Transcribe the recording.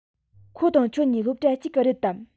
ཁོ དང ཁྱོད གཉིས སློབ གྲྭ གཅིག གི རེད དམ